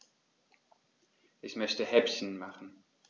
Ich möchte Häppchen machen.